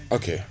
ok